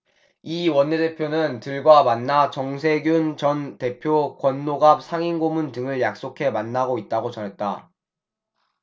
이 원내대표는 들과 만나 정세균 전 대표 권노갑 상임고문 등을 약속해 만나고 있다고 전했다